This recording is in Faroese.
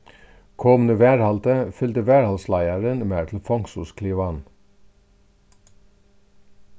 komin í varðhaldið fylgdi varðhaldsleiðarin mær til fongsulsklivan